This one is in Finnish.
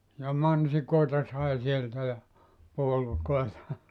ja mansikoita sai sieltä ja puolukoita